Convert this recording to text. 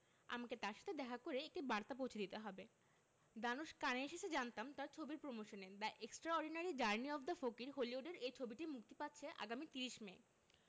আমাকে তার সাথে দেখা করে একটি বার্তা পৌঁছে দিতে হবে ধানুশ কানে এসেছে জানতাম তার ছবির প্রমোশনে the extraordinary journey of the fakir হলিউডের এই ছবিটি মুক্তি পাচ্ছে আগামী ৩০ মে